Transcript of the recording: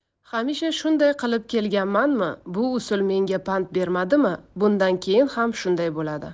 hamisha shunday qilib kelganmanmi bu usul menga pand bermadimi bundan keyin ham shunday bo'ladi